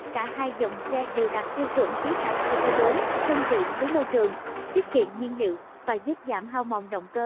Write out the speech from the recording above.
cả dòng xe đều đạt tiêu chuẩn khí thải euro thân thiện với môi trường tiết kiệm nhiên liệu và giúp giảm hao mòn động cơ